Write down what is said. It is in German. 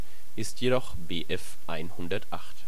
jedoch Bf 108